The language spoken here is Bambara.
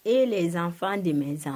E le n zan fan de zan